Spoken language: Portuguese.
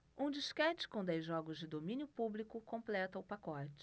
um disquete com dez jogos de domínio público completa o pacote